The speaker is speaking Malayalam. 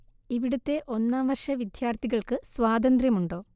ഇവിടുത്തെ ഒന്നാം വർഷ വിദ്യാർത്ഥികൾക്ക് സ്വാതന്ത്ര്യമുണ്ടോ